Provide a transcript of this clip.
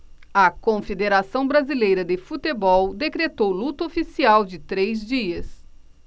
a confederação brasileira de futebol decretou luto oficial de três dias